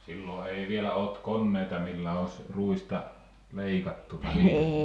silloin ei vielä ollut koneita millä olisi ruista leikattukaan niin